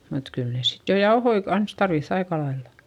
mutta kyllä ne sitten jo jauhoja kanssa tarvitsi aika lailla